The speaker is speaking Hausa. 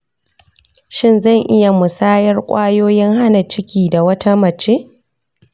shin zan iya musayar kwayoyin hana ciki da wata mace?